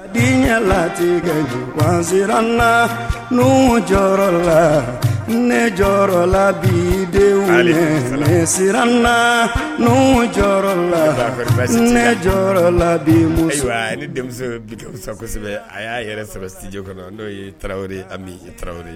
Denlatigɛ juwan siranna n jɔyɔrɔ la jɔyɔrɔlabi de siranna n jɔyɔrɔ la jɔyɔrɔ la muso ani denmuso bisasɛbɛ a y'a yɛrɛ sara stuj kan la n'o ye tarawele a bɛ tarawele de